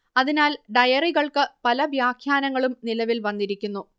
അതിനാൽ ഡയറികൾക്ക് പല വ്യാഖ്യാനങ്ങളും നിലവിൽ വന്നിരിക്കുന്നു